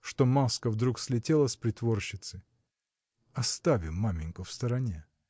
что маска вдруг слетела с притворщицы – оставим маменьку в стороне